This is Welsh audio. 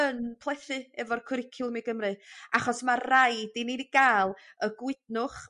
yn plethu efo'r cwricwlwm i Gymru achos ma' raid i ni 'di ga'l y gwydnwch